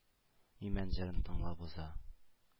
Имән җырын тыңлап уза.